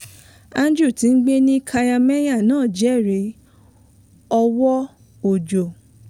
Andrew tí ó ń gbé ní Katameyya náà jẹ́rìí ọwọ́ òjò.